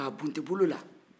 ka bunte bolo la